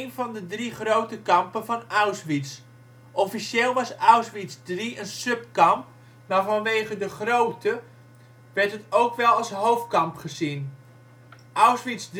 van de drie grote kampen van Auschwitz. Officieel was Auschwitz III een subkamp, maar vanwege de grootte werd het ook wel als hoofdkamp gezien. Auschwitz